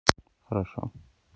хорошо